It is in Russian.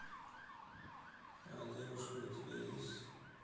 а девушка у тебя есть